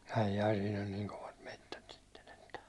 ai ai siinä on niin kovat metsät sitten että